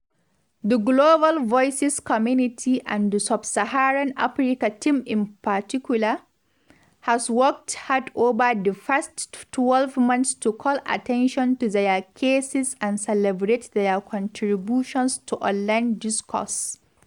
The Global Voices community, and the Sub-Saharan Africa team in particular, has worked hard over the past twelve months to call attention to their case and celebrate their contributions to online discourse.